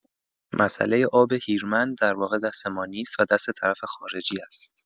مساله آب هیرمند درواقع دست ما نیست و دست طرف خارجی است.